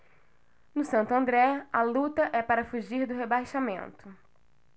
no santo andré a luta é para fugir do rebaixamento